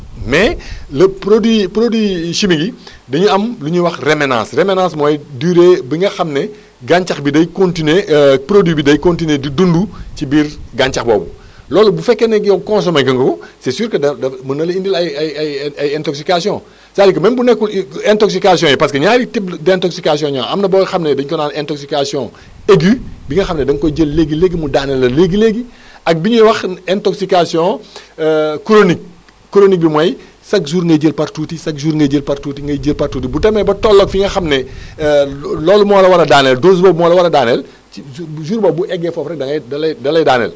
mais le produit produit chimique yi dañuy am lu ñuy wax réménance réménance mooy durée bi nga xam ne gàncax bi day continué produit bi day continué di dund ci biir gàncax boobu loolu bu fekkee ne yow consommé nga ko c' est sûr que da da mën na la indil ay ay ay ay intoxication c' est à dir que même bu nekkul intoxication yi parce que ñaari types d' intoxication ñoo am am na boo xam ne dañu ko naan intoxication aigue bi nga xam ne da nga koy jël léegi-léegi mu daane la léegi-léegi ak bi ñuy wax intoxication vhronique chronique bi mooy chaque jour ngay jël par tuuti tuuti chaque jour ngay jël par tuuti ngay jël par tuuti bu demee ba tooloog fi nga xam ne loolu moo la war a daaneel dose boobu moo la war a daaneel ci jour boobu bu eggee foofu rek da ngay da lay da lay daaneel